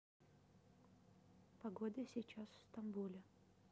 какая погода сейчас в стамбуле